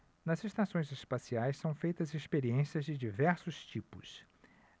nas estações espaciais são feitas experiências de diversos tipos